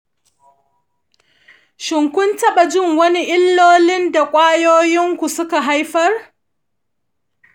shin, kun taɓa jin wani illolin da kwayoyin ku suka haifar?